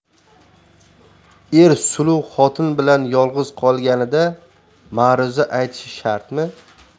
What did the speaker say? er suluv xotin bilan yolg'iz qolganida ma'ruza aytishi shartmi